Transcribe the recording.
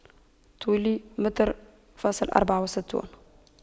طولي متر فاصل أربعة وستون